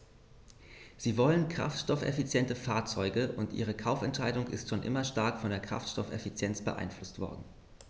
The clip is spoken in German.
Sie wollen kraftstoffeffiziente Fahrzeuge, und ihre Kaufentscheidung ist schon immer stark von der Kraftstoffeffizienz beeinflusst worden.